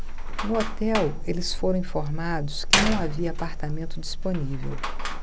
no hotel eles foram informados que não havia apartamento disponível